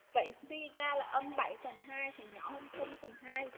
vậy suy ra âm phần thì nhỏ hơn phần